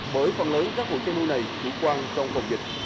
bởi phần lớn các hộ chăn nuôi này chủ quan trong phòng dịch